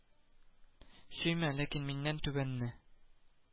Сөймә ләкин миннән түбәнне